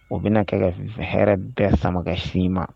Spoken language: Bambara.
O bɛ na kɛ ka hɛrɛ bɛɛ sama si ma